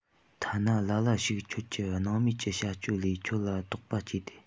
ཐ ན ལ ལ ཞིག ཁྱོད ཀྱི སྣང མེད ཀྱི བྱ སྤྱོད ལས ཁྱོད ལ དོགས པ སྐྱེས ཏེ